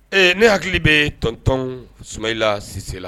Ee ne hakili bɛ tɔntɔn suma i la sise la